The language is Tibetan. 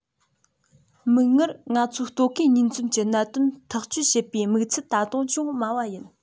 མིག སྔར ང ཚོའི ལྟོ གོས གཉིས འཛོམས ཀྱི གནད དོན ཐག གཅོད བྱེད པའི དམིགས ཚད ད དུང ཅུང དམའ བ ཡིན